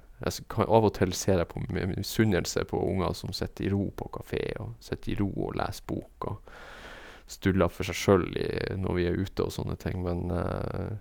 Jeg s kan av og til se det på med misunnelse på unger som sitt i ro på kafé og sitt i ro og les bok og stuller for seg sjøl i når vi er ute og sånne ting, men...